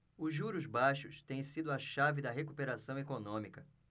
os juros baixos têm sido a chave da recuperação econômica